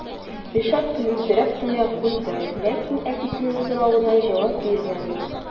Илшат көлемсерәп кенә куйды, ләкин әтисенең соравына җавап бирмәде.